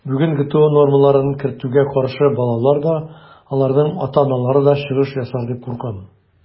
Бүген ГТО нормаларын кертүгә каршы балалар да, аларның ата-аналары да чыгыш ясар дип куркам.